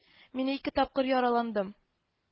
Мин ике тапкыр яраландым